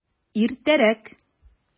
Иртәрәк!